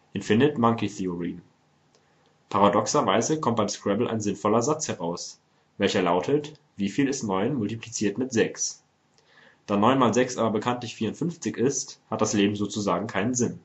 Infinite-Monkey-Theorem). Paradoxerweise kommt beim Scrabble ein sinnvoller Satz heraus, welcher lautet: „ Wie viel ist neun multipliziert mit sechs “. Da 9 mal 6 aber bekanntlich 54 ist, hat das Leben sozusagen keinen Sinn